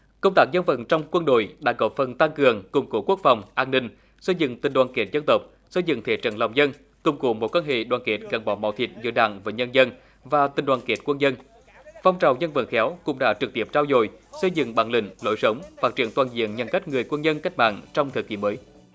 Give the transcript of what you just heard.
công tác dân vận trong quân đội đã góp phần tăng cường củng cố quốc phòng an ninh xây dựng tình đoàn kết dân tộc xây dựng thế trận lòng dân củng cố mối quan hệ đoàn kết gắn bó máu thịt giữa đảng và nhân dân và tình đoàn kết quân dân phong trào dân vận khéo cũng đã trực tiếp trau dồi xây dựng bản lĩnh lối sống phát triển toàn diện nhân cách người quân nhân cách mạng trong thời kỳ mới